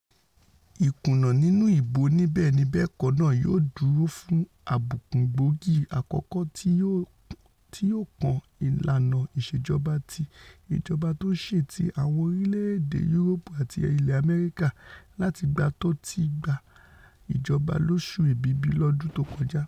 Ìkùnà nínú ìbò oníbẹ́ẹ̀ni-bẹ́ẹ̀kọ́ náà yóò duro fún àbùkù gbòógì àkọ́kọ́ tí yóò kan ìlànà ìṣèjọba ti ìjọba tó ńṣeti awọn orílẹ̀-èdè Yuroopu ati ilẹ Amẹ́ríkà látígbà tóti gba ìjọba lóṣù Ẹ̀bibi lọ́dún tó kọjá.